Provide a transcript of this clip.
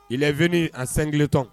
Il est venu en singleton